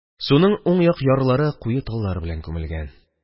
Суның уң як ярлары куе таллар белән күмелгән.